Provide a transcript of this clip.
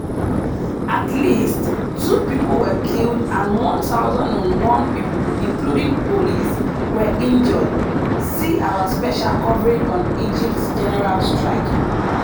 At least two people were killed and 111 people – including police – were injured (See our special coverage on Egypt's General Strike).